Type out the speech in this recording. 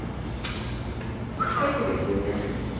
спасибо тебе боже